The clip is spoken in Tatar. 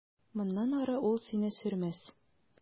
Моннан ары ул сине сөрмәс.